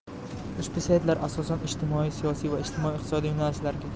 ushbu saytlar asosan ijtimoiy siyosiy va ijtimoiy iqtisodiy yo'nalishlarga